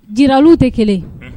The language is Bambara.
Jili tɛ kelen